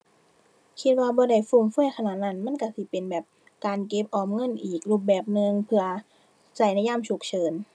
คิดว่าบ่ได้ฟุ่มเฟือยขนาดนั้น มันก็สิเป็นแบบการเก็บออมเงินอีกรูปแบบหนึ่ง เพื่อก็ในยามฉุกเฉิน